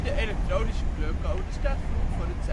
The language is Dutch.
elektronische kleurcode staat groen voor het